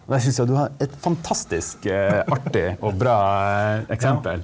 der synes jeg du har et fantastisk artig og bra eksempel.